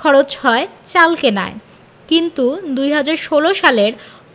খরচ হয় চাল কেনায় কিন্তু ২০১৬ সালের